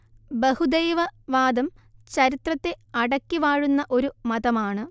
ബഹുദൈവ വാദം ചരിത്രത്തെ അടക്കി വാഴുന്ന ഒരു മതമാണ്